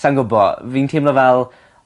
Sai'n gwbo fi'n teimlo fel